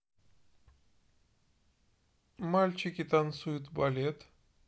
мальчики танцуют балет